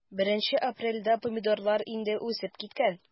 1 апрельдә помидорлар инде үсеп киткән.